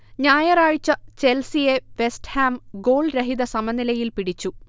ഞായറാഴ്ച ചെൽസിയെ വെസ്റ്റ്ഹാം ഗോൾരഹിത സമനിലയിൽ പിടിച്ചു